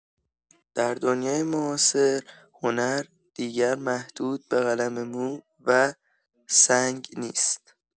در دنیای معاصر، هنر دیگر محدود به قلم‌مو و سنگ نیست.